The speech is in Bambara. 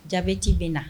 Diabète be na